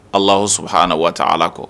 Alahu Subuhaanahu wataa Ala ko